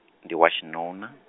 ndziwa xinuna.